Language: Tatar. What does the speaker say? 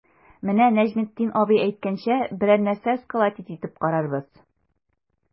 Менә Нәҗметдинов абый әйткәнчә, берәр нәрсә сколотить итеп карарбыз.